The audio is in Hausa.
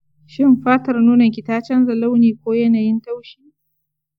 shin fatar nononki ta canza launi ko yanayin taushi?